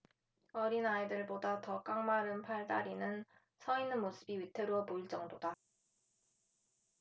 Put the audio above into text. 어린아이들보다 더 깡마른 팔다리는 서 있는 모습이 위태로워 보일 정도다